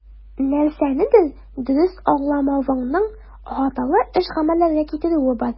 Нәрсәнедер дөрес аңламавыңның хаталы эш-гамәлләргә китерүе бар.